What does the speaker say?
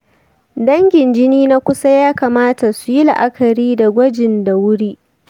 dangin jini na kusa ya kamata suyi la'akari da gwajin da wuri.